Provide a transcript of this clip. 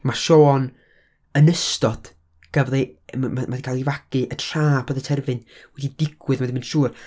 Ma' Siôn yn ystod, gafodd o'i, m- mae o 'di cael ei fagu tra bod y terfyn wedi digwydd wedyn ma'n siŵr.